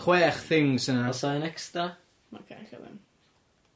Chwech things yn yr... O's 'na un extra? Ocê ella ddim.